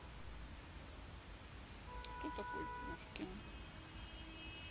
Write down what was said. кто такой пушкин